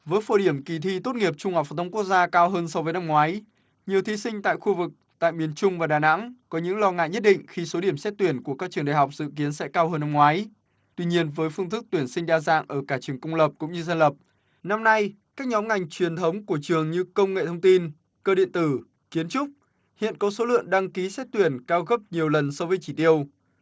với phổ điểm kỳ thi tốt nghiệp trung học phổ thông quốc gia cao hơn so với năm ngoái nhiều thí sinh tại khu vực tại miền trung và đà nẵng có những lo ngại nhất định khi số điểm xét tuyển của các trường đại học dự kiến sẽ cao hơn năm ngoái tuy nhiên với phương thức tuyển sinh đa dạng ở cả trường công lập cũng như dân lập năm nay các nhóm ngành truyền thống của trường như công nghệ thông tin cơ điện tử kiến trúc hiện có số lượng đăng ký xét tuyển cao gấp nhiều lần so với chỉ tiêu